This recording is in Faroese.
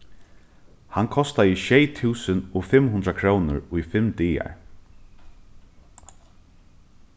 hann kostaði sjey túsund og fimm hundrað krónur í fimm dagar